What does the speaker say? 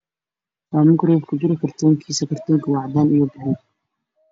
Waa nin guri ku niro kartoon kiisa waa cadan iyo madoow